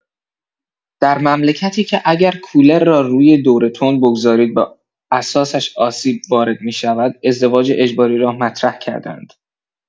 در مملکتی که اگر کولر را روی دور تند بگذارید به اساسش آسیب وارد می‌شود، ازدواج اجباری را مطرح کرده‌اند!